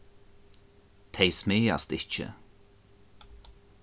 tey smæðast ikki